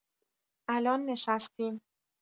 الان نشستیم